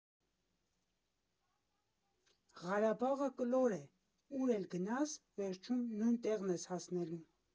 Ղարաբաղը կլոր է, ուր էլ գնաս, վերջում նույն տեղն ես հասնելու։